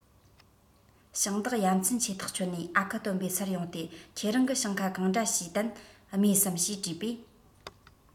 ཞིང བདག ཡ མཚན ཆེ ཐག ཆོད ནས ཨ ཁུ སྟོན པའི སར ཡོང སྟེ ཁྱེད རང གི ཞིང ཁ གང འདྲ བྱས དན རྨོས སམ ཞེས དྲིས པས